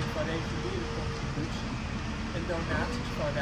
van reguliere contributie en donaties van